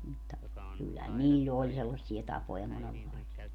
mutta kyllähän niillä oli sellaisia tapoja monenlaisia